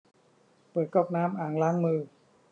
เปิดก๊อกน้ำอ่างล้างมือ